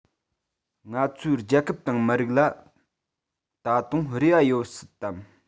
ང ཚོའི རྒྱལ ཁབ དང མི རིགས ལ ད དུང རེ བ ཡོད སྲིད དམ